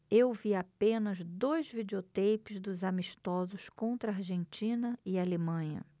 eu vi apenas dois videoteipes dos amistosos contra argentina e alemanha